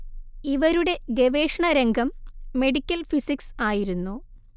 ഇവരുടെ ഗവേഷണ രംഗം മെഡിക്കൽ ഫിസിക്സ് ആയിരുന്നു